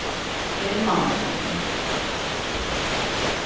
her er mannagongdin